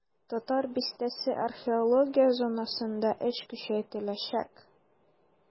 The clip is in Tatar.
"татар бистәсе" археология зонасында эш көчәйтеләчәк.